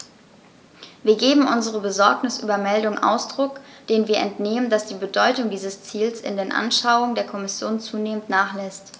Wir geben unserer Besorgnis über Meldungen Ausdruck, denen wir entnehmen, dass die Bedeutung dieses Ziels in den Anschauungen der Kommission zunehmend nachlässt.